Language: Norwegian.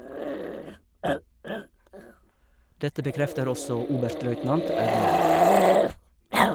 Dette bekrefter også oberstløytnant Øglænd.